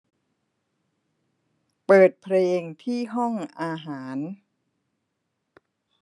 เปิดเพลงที่ห้องอาหาร